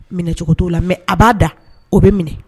Minɛ cogo t'o la mais a b'a da o bɛ minɛ